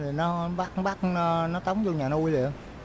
nó bắt nó bắt nó nó tống vô nhà nuôi liền